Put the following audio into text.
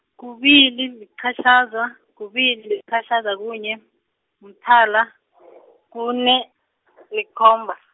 kubili, liqatjhaza, kubili, liqatjhaza, kunye, mthala, kune, likhomba.